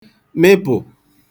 mịpụ̀